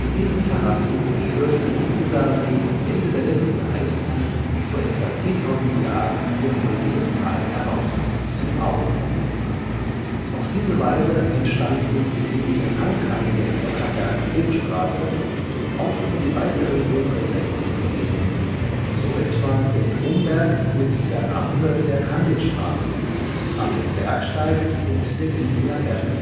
diesen Terrassen schürfte die Isar gegen Ende der letzten Eiszeit vor etwa 10.000 Jahren ihr heutiges Tal heraus, die Au. Auf diese Weise entstanden neben der Hangkante Nockherberg/Hochstraße auch die weiteren Hochränder in dieser Gegend, so etwa der Drumberg mit der Rampe der Candidstraße, „ Am Bergsteig “und der Giesinger Berg